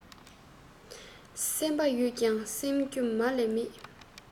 སེམས པ ཡོད ཀྱང བསམ རྒྱུ མ ལས མེད